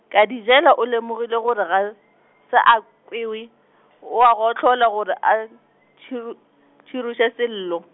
Kadijela o lemogile gore ga , se a kwewe , oa gohlola gore a tshiro-, tširoše Sello.